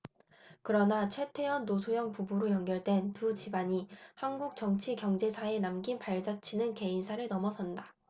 그러나 최태원 노소영 부부로 연결된 두 집안이 한국 정치 경제사에 남긴 발자취는 개인사를 넘어선다